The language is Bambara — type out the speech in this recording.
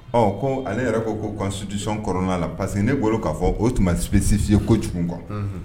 Ɔ ko ale yɛrɛ ko ko constitution kɔnɔna la parce que ne bolo k'a fɔ o tun ma specifié kojugun , quoi